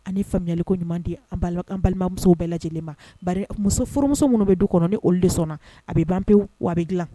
Ani faliko ɲuman di an balimamuso bɛɛ lajɛ lajɛlen ma ba musoforomuso minnu bɛ du kɔnɔ ni' de sɔnna a bɛ ban pewu a bɛ dilan